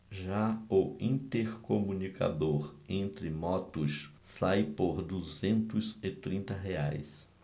já o intercomunicador entre motos sai por duzentos e trinta reais